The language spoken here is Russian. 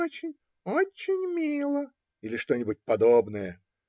"очень, очень мило" или что-нибудь подобное.